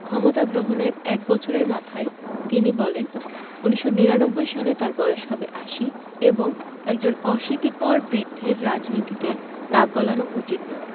ক্ষমতা গ্রহণের এক বছরের মাথায় তিনি বলেন ১৯৯৯ সালে তাঁর বয়স হবে আশি এবং একজন অশীতিপর বৃদ্ধের রাজনীতিতে নাক গলানো উচিত নয়